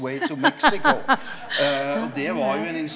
ja.